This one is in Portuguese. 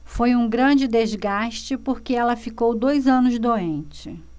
foi um grande desgaste porque ela ficou dois anos doente